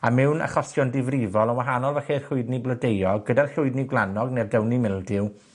A mewn achosion ddifrifol, yn wahanol, falle llwydni blodeuog, gyda'r llwydni gwlanog ne'r downey mildew,